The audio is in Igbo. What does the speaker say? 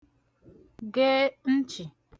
ge nchị̀